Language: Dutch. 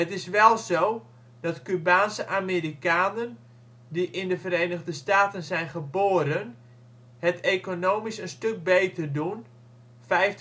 is wel zo dat Cubaanse Amerikanen die in de Verenigde Staten zijn geboren het het economisch een stuk beter doen ($ 50.000